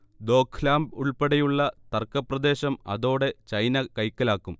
ദോഘ്ലാം ഉൾപ്പെടെയുള്ള തർക്കപ്രദേശം അതോടെ ചൈന കൈക്കലാക്കും